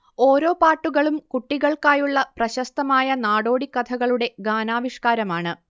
ഓരോ പാട്ടുകളും കുട്ടികൾക്കായുള്ള പ്രശസ്തമായ നാടോടിക്കഥകളുടെ ഗാനാവിഷ്കാരമാണ്